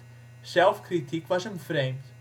vreemd